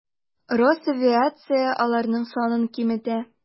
Росавиация аларның санын киметә.